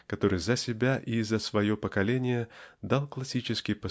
который за себя и за свое поколение дал классический